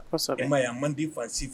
Man di fasi